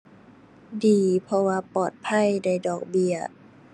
ดี เพราะว่าปลอดภัยได้ดอกเบี้ย